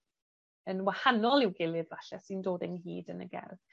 yn wahanol i'w gilydd falle sy'n dod ynghyd yn y gerdd.